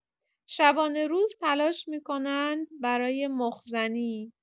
شبانه‌روز تلاش می‌کنند برای مخ‌زنی.